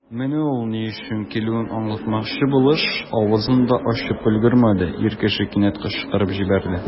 Менә ул, ни өчен килүен аңлатмакчы булыш, авызын да ачып өлгермәде, ир кеше кинәт кычкырып җибәрде.